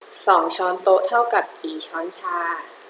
สองช้อนโต๊ะเท่ากับกี่ช้อนชา